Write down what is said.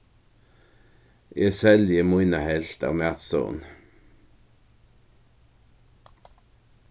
eg selji mína helvt av matstovuni